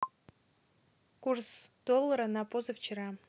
курс доллара на позавчера